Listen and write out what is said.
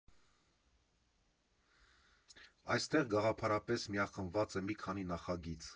Այստեղ գաղափարապես միախմբված է մի քանի նախագիծ։